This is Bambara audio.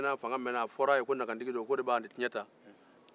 a fɔra btɔn ye ko nakan tigi k'a bɛna a cen ta